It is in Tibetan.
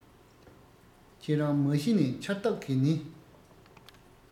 ཁྱེད རང མ གཞི ནས འཆར བདག གི ནི